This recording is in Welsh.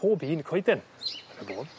pob un coeden yn y bôn.